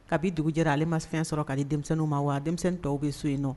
Kabi dugu jɛra ale ma fɛn sɔrɔ k'a di denmisɛnnin ma wa denmisɛnnin tɔw bɛ so in nɔ.